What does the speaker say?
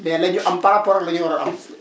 mais la ñu am par rapport ak la ñu war a am